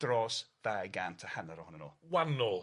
Dros dau gant a hanner ohonyn nw. W- anwl!